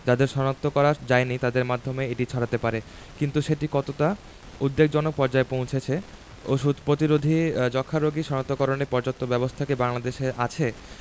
যাদের শনাক্ত করা যায়নি তাদের মাধ্যমেই এটি ছড়াতে পারে কিন্তু সেটি কতটা উদ্বেগজনক পর্যায়ে পৌঁছেছে ওষুধ প্রতিরোধী যক্ষ্মা রোগী শনাক্তকরণে পর্যাপ্ত ব্যবস্থা কি বাংলাদেশে আছে